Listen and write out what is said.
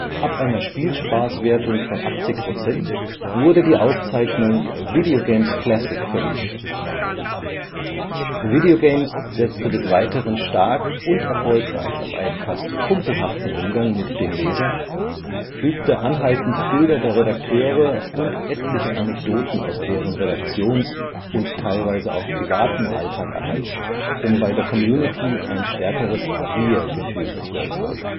Ab einer Spielspaßwertung von 80 % wurde die Auszeichnung „ Video Games Classic “verliehen. Video Games setze des Weiteren stark und erfolgreich auf einen fast „ kumpelhaften “Umgang mit dem Leser, fügte anhaltend Bilder der Redakteure und etliche Anekdoten aus deren Redaktions - und teilweise auch privatem Alltag ein, um bei der Community ein stärkeres „ Wir-Gefühl “zu erzeugen